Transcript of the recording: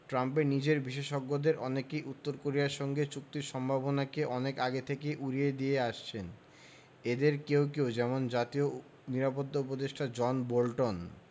ট্রাম্পের নিজের বিশেষজ্ঞদের অনেকেই উত্তর কোরিয়ার সঙ্গে চুক্তির সম্ভাবনাকে অনেক আগে থেকেই উড়িয়ে দিয়ে আসছেন এঁদের কেউ কেউ যেমন জাতীয় নিরাপত্তা উপদেষ্টা জন বোল্টন